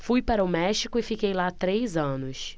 fui para o méxico e fiquei lá três anos